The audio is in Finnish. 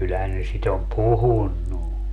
kyllähän ne sitä on puhunut